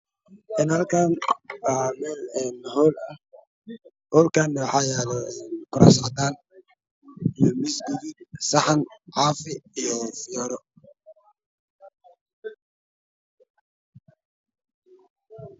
Een Halka. Waa meel hool ah holkana waxaa yaalo kuraas cadaan ah iyo miis gaduud saxan caafi iyo fiyooro